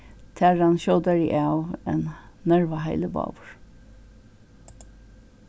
tað rann skjótari av enn nervaheilivágur